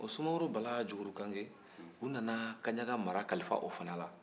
o sumaworo bala jugurukange u nana kaɲaga mara kalifa o la